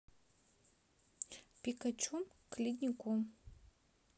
пикачу к леднику